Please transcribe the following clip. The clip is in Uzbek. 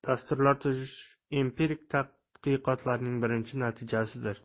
dastur tuzish empirik tadqiqotlarning birinchi natijasidir